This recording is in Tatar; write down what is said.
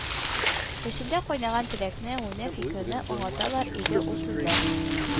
Эчендә кайнаган теләкне, уйны, фикерне аңлаталар иде ул сүзләр